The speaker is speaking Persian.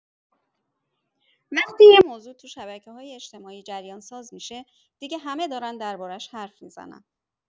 وقتی یه موضوع تو شبکه‌های اجتماعی جریان‌ساز می‌شه، دیگه همه دارن دربارش حرف می‌زنن.